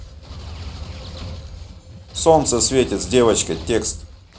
солнце светит с девочкой текст